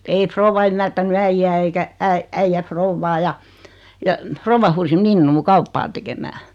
ei rouva ymmärtänyt äijää eikä - äijä rouvaa ja ja rouva huusi minua kauppaa tekemään